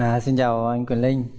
à xin chào anh quyền linh